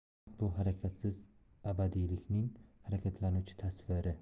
vaqt bu harakatsiz abadiylikning harakatlanuvchi tasviri